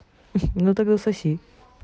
ну тогда соси